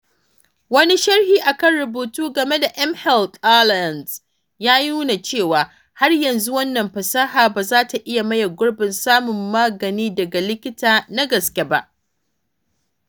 Wani sharhi a kan rubutu game da mHealth Alliance ya nuna cewa, har yanzu wannan fasaha ba za ta iya maye gurbin samun magani daga likita na gaske ba.